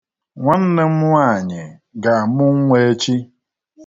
Nwanne m nwaanyị ga-amụ nnwa echi.